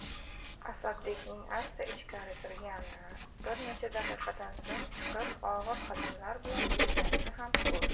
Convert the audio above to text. asadbekning asta ichkari kirgani bir necha daqiqadan so'ng chiqib og'ir qadamlar bilan yurganini ham ko'rdi